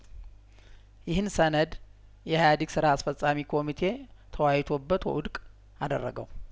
ይህን ሰነድ የኢህአዴግ ስራ አስፈጻሚ ኮሚቴ ተወያይቶበት ውድቅ አደረገው